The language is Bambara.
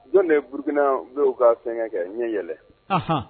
Jɔn de ye Bourkinabé u kaa fɛngɛ kɛ ɲɛ yɛlɛn ɔnhɔn